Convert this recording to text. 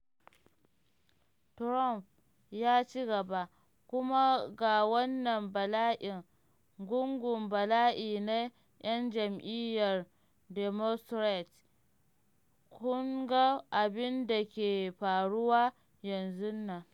Trump ya ci gaba, “Kun ga wannan bala’in, gungun bala’i na ‘yan jam’iyyar Democrats, kun ga abin da ke faruwa yanzun nan.